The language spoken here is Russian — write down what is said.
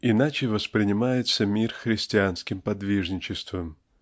Иначе воспринимается мир христианским подвижничеством.